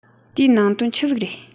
དེའི ནང དོན ཆི ཟིག རེད